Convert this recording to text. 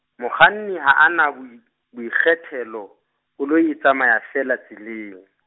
mokganni ha a na boi-, boikgethelo, koloi e tsamaya feela tseleng.